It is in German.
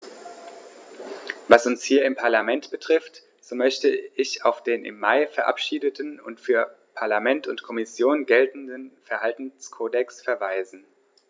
Was uns hier im Parlament betrifft, so möchte ich auf den im Mai verabschiedeten und für Parlament und Kommission geltenden Verhaltenskodex verweisen.